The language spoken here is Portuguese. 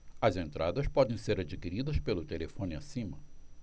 as entradas podem ser adquiridas pelo telefone acima